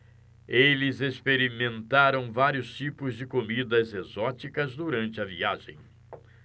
eles experimentaram vários tipos de comidas exóticas durante a viagem